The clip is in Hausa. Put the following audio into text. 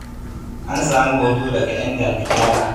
An samu hoto daga Endalk Chala.